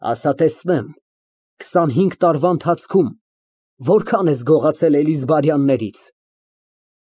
Ասա, տեսնեմ, քսանհինգ տարվա ընթացքում որքա՞ն ես գողացել Էլիզբարյաններից։